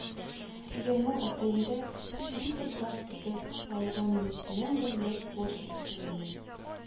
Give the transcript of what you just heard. Елның апрелендә чит ил паспорты алуга мең дәүләт пошлинасы түләнгән